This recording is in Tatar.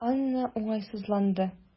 Анна уңайсызланды.